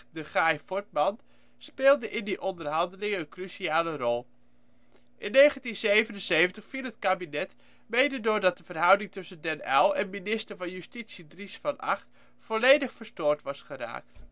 de Gaay Fortman speelden in die onderhandelingen een cruciale rol. In 1977 viel het kabinet, mede doordat de verhouding tussen Den Uyl en minister van Justitie Dries van Agt volledig verstoord was geraakt